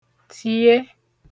tiye